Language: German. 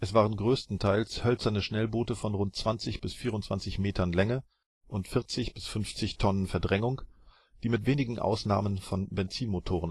Es waren größtenteils hölzerne Schnellboote von rund 20 bis 24 m Länge und 40 bis 50 t Verdrängung, die mit wenigen Ausnahmen von Benzinmotoren